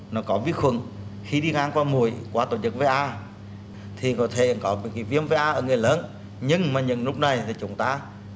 nó có vi khuẩn khi đi ngang qua mũi qua tổ chức vê a thì có thể có cái viêm vê a ở người lớn nhưng mà những lúc này thì chúng ta